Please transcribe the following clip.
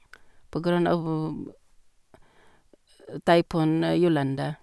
På grunn av taifun julen der.